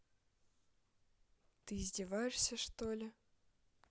ты издеваешься что ли